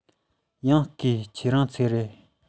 ཡང བརྐུས ཁྱེད རང ཚོའི རེད